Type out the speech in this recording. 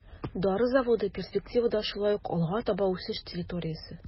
Дары заводы перспективада шулай ук алга таба үсеш территориясе.